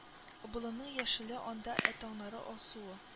Болынның яшеле анда ә таңнарның алсуы